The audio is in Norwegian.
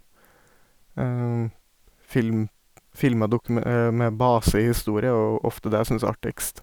Film, filmer dokume med base i historie er jo ofte det jeg synes er artigst.